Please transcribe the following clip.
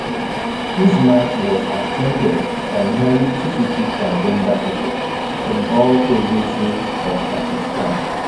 The march was attended by nearly 250 transgender people from all provinces of Pakistan.